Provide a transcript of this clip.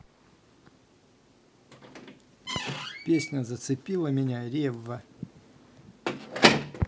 песня зацепила меня ревва